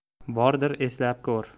bordir eslab ko'r